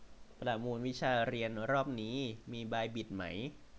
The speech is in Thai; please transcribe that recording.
ประมูลวิชาเรียนรอบนี้มีบลายบิดไหม